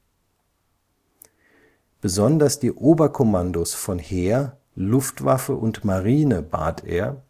Besonders die Oberkommandos von Heer, Luftwaffe und Marine bat er